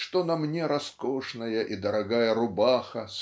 что на мне роскошная и дорогая рубаха